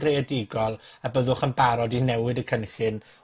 greadigol, a byddwch yn barod i newid y cynllun